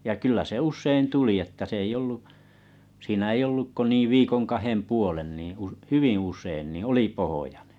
ja kyllä se usein tuli että se ei ollut siinä ei ollut kuin niin viikon kahden puolen niin - hyvin usein niin oli pohjoinen